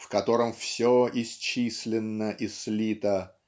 в котором все исчислено и слито